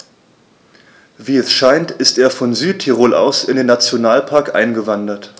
Wie es scheint, ist er von Südtirol aus in den Nationalpark eingewandert.